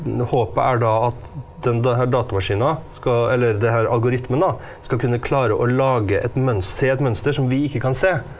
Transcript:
håpet er da at den her datamaskinen skal eller det her algoritmen da skal kunne klare å lage et se et mønster som vi ikke kan se.